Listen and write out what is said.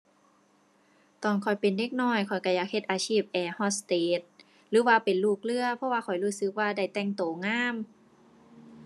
ตอนข้อยเป็นเด็กน้อยข้อยก็อยากเฮ็ดอาชีพแอร์โฮสเตสหรือว่าเป็นลูกเรือ เพราะว่าข้อยรู้สึกว่าได้แต่งก็งาม